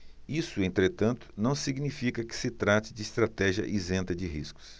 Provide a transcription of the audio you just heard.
isso entretanto não significa que se trate de estratégia isenta de riscos